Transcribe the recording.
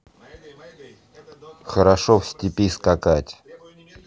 хорошо в степи скакать